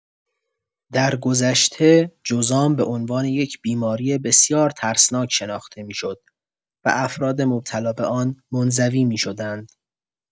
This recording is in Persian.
درگذشته جذام به عنوان یک بیماری بسیار ترسناک شناخته می‌شد و افراد مبتلا به آن منزوی می‌شدند.